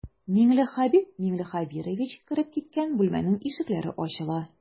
Миңлехәбиб миңлехәбирович кереп киткән бүлмәнең ишекләре ачыла.